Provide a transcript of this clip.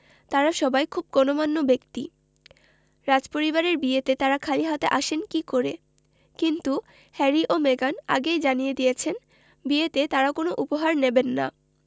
তাঁরা সবাই খুব গণ্যমান্য ব্যক্তি রাজপরিবারের বিয়েতে তাঁরা খালি হাতে আসেন কী করে কিন্তু হ্যারি ও মেগান আগেই জানিয়ে দিয়েছেন বিয়েতে তাঁরা কোনো উপহার নেবেন না